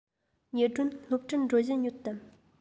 ཉི སྒྲོན སློབ གྲྭར འགྲོ བཞིན ཡོད དམ